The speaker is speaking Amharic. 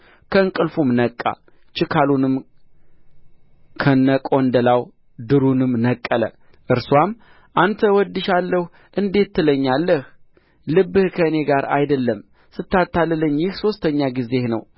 ከእንቅልፉም ነቃ ችካሉንም ከነቆንዳላው ድሩንም ነቀለ እርስዋም አንተ እወድድሻለሁ እንዴት ትለኛለህ ልብህ ከእኔ ጋር አይደለም ስታታልለኝ ይህ ሦስተኛ ጊዜህ ነው